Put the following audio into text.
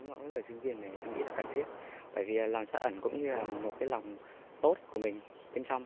với người sinh viên này em nghĩ là cần thiết bởi vì lòng trắc ẩn cũng như là một cái lòng tốt của mình bên trong